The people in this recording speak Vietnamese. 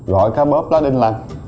gỏi cá bóp lá đinh lăng